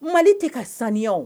Mali tɛ ka saya